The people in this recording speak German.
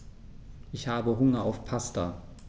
Ich habe Hunger auf Pasta.